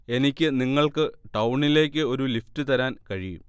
എനിക്ക് നിങ്ങൾക്ക് ടൌണിലേക്ക് ഒരു ലിഫ്റ്റ് തരാൻ കഴിയും